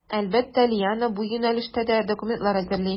Әлбәттә, Лиана бу юнәлештә дә документлар әзерли.